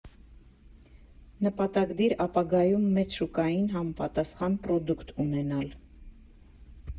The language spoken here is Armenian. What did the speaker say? Նպատակ դիր ապագայում մեծ շուկային համապատասխան պրոդուկտ ունենալ։